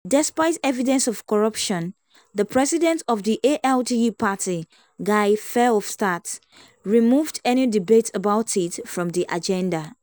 Despite evidence of corruption, the president of the ALDE party, Guy Verhofstadt, removed any debate about it from the agenda.